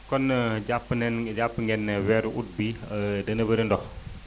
kon jàpp nañ jàpp ngeen ni weeru ut bii dina bëri ndox